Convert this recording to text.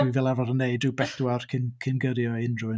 Dwi fel arfer yn neud ryw bedwar cyn cyn gyrru o i unrhyw un.